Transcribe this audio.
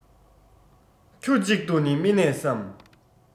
ཁྱུ གཅིག ཏུ ནི མི གནས སམ